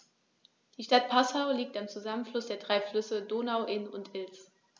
Die Stadt Passau liegt am Zusammenfluss der drei Flüsse Donau, Inn und Ilz.